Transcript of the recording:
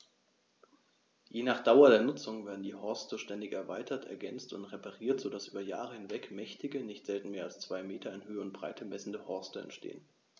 Je nach Dauer der Nutzung werden die Horste ständig erweitert, ergänzt und repariert, so dass über Jahre hinweg mächtige, nicht selten mehr als zwei Meter in Höhe und Breite messende Horste entstehen.